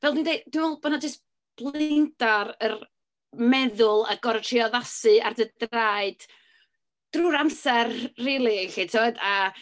Fel dwi'n deud, dwi'n meddwl bo' 'na jyst blinder yr meddwl a gorfod trio addasu ar dy draed drwy'r amser rili, 'lly tibod a...